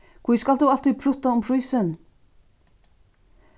hví skalt tú altíð prutta um prísin